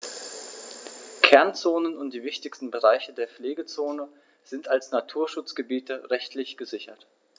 Kernzonen und die wichtigsten Bereiche der Pflegezone sind als Naturschutzgebiete rechtlich gesichert.